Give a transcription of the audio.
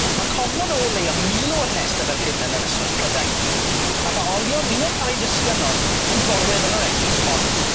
Ma' cofnod o leia mil o orneste fel hyn yn Ynysoedd Prydain, a pa olion un o'r rhai ddisgynnodd yn gorwedd yn yr eglwys hon.